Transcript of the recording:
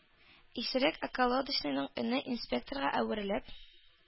Исерек околодочныйның өне инспекторга әверелеп: